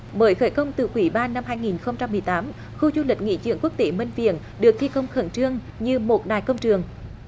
bởi khởi công từ quý ba năm hai nghìn không trăm mười tám khu du lịch nghỉ dưỡng quốc tế minh viện được thi công khẩn trương như một đại công trường